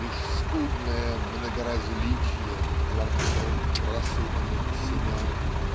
Лишь скудное многоразличье Творцом просыпанных семян.